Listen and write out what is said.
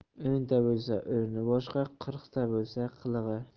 o'nta bo'lsa o'rni boshqa qirqta bo'lsa qilig'i